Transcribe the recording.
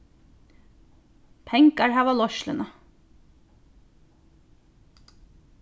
pengar hava leiðsluna